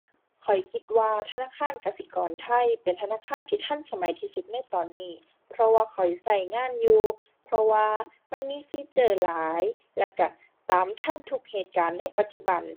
ข้อยคิดว่าธนาคารกสิกรไทยเป็นธนาคารที่ทันสมัยที่สุดในตอนนี้ เพราะว่าข้อยใช้งานอยู่ เพราะว่ามันมีฟีเจอร์หลาย แล้วใช้ตามทันทุกเหตุการณ์ในปัจจุบัน